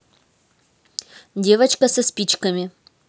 девочка со спичками